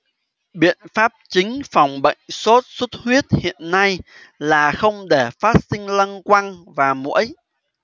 biện pháp chính phòng bệnh sốt xuất huyết hiện nay là không để phát sinh lăng quăng và muỗi